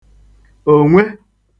ònwe